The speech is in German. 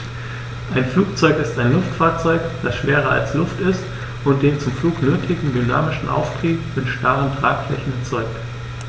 Ein Flugzeug ist ein Luftfahrzeug, das schwerer als Luft ist und den zum Flug nötigen dynamischen Auftrieb mit starren Tragflächen erzeugt.